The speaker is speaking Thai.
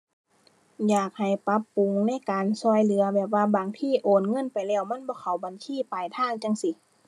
อยากให้ปรับปรุงในการช่วยเหลือ แบบว่าบางทีโอนเงินไปแล้วมันบ่เข้าบัญชีปลายทางจั่งซี้